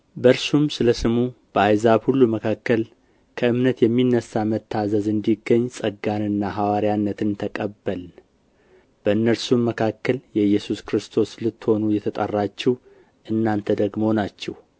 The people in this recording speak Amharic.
በእርሱም ስለ ስሙ በአሕዛብ ሁሉ መካከል ከእምነት የሚነሣ መታዘዝ እንዲገኝ ጸጋንና ሐዋርያነትን ተቀበልን በእነርሱም መካከል የኢየሱስ ክርስቶስ ልትሆኑ የተጠራችሁ እናንተ ደግሞ ናችሁ